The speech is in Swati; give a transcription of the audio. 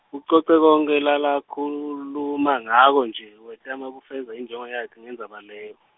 ucoca konkhe lalakhuluma ngako nje, wetama kufeza injongo yakhe ngendzaba leyo.